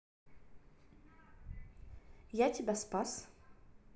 я тебя спас